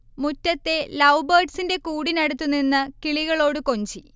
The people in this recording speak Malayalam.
മുറ്റത്തെ ലൗബേഡ്സിന്റെ കൂടിനടുത്ത് നിന്ന് കിളികളോട് കൊഞ്ചി